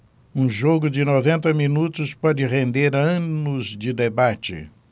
um jogo de noventa minutos pode render anos de debate